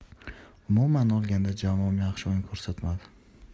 umuman olganda jamoam yaxshi o'yin ko'rsatmadi